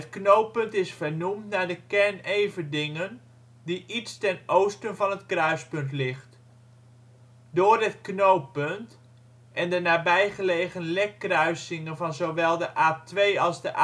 knooppunt is vernoemd naar de kern Everdingen die iets ten oosten van het kruispunt ligt. Door het knooppunt, en de nabijgelegen Lekkruissingen van zowel de A2 als de